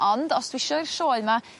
ond os dwi isio i'r sioe 'ma